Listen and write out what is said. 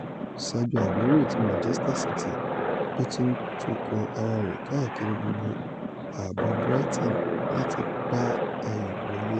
Wòran: Sergio Aguero ti Manchester City bóti ńtukọ̀ ara rẹ káàkiri gbogbo àabo Brighton láti gbá ayò wọlé